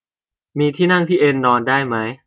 มีที่นั่งที่เอนนอนได้มั้ย